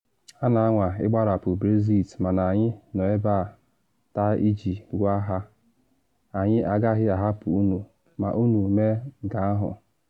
‘Ha na anwa ịgbarapụ Brexit mana anyị nọ ebe a taa iji gwa ha ‘anyị agaghị ahapụ unu ma unu mee nke ahụ’.’